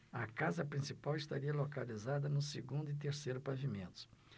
a casa principal estaria localizada no segundo e terceiro pavimentos